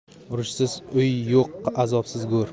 urishsiz uy yo'q azobsiz go'r